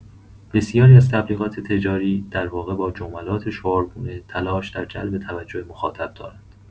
بسیاری از تبلیغات تجاری، در واقع با جملات شعارگونه تلاش در جلب توجه مخاطبان دارند.